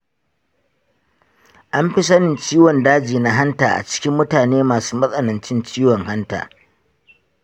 anfi sanin ciwon daji na hanta a cikin mutane masu matsanancin ciwon hanta.